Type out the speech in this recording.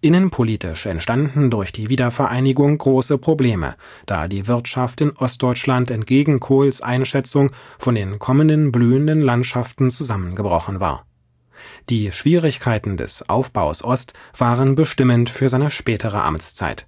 Innenpolitisch entstanden durch die Wiedervereinigung große Probleme, da die Wirtschaft in Ostdeutschland entgegen Kohls Einschätzung von den kommenden „ blühenden Landschaften “zusammengebrochen war. Die Schwierigkeiten des Aufbaus Ost waren bestimmend für seine spätere Amtszeit.